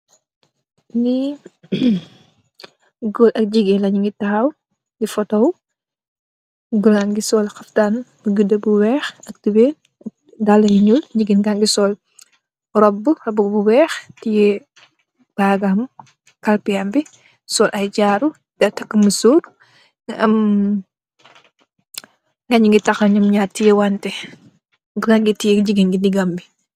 Ñii goor ak jigeen la ñingi taxaw di photohu, goor bangi sol xaftan bu guda bu weex ak tubay dalla yu ñuul, jigeen jangi sol robu, robu bu weex tiye bagam, kalpem bi, sol ay jaro, takk musoor, amm gaayi taxaw nyom ñaar tiyewante, goor gaagi tiye jigeen bi digam bi